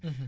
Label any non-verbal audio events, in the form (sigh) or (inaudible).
(hesitation) (hesitation)